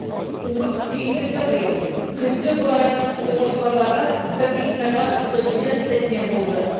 Уңыш сөендерде быел: көзге бодайның уңышлылыгы бер гектардан 37 центнер булды.